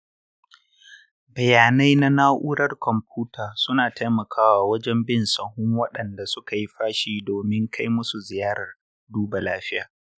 bayanai na na'urar kwamfuta suna taimakawa wajen bin sawun waɗanda suka yi fashi domin kai musu ziyarar duba lafiya.